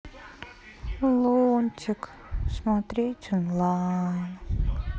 лунтик смотреть онлайн